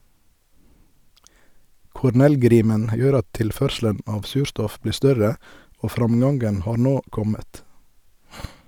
Cornell-grimen gjør at tilførselen av surstoff blir større og framgangen har nå kommet.